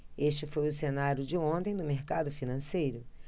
este foi o cenário de ontem do mercado financeiro